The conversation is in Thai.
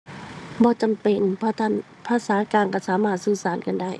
บ่จำเป็น เพราะถ้าหั้นภาษากลางก็สามารถสื่อสารกันได้